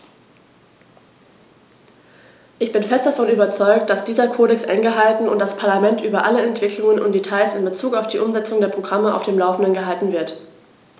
Ich bin fest davon überzeugt, dass dieser Kodex eingehalten und das Parlament über alle Entwicklungen und Details in bezug auf die Umsetzung der Programme auf dem laufenden gehalten wird.